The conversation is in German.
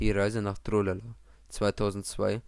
Reise nach Trulala. (2002